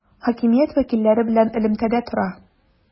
Хакимият вәкилләре белән элемтәдә тора.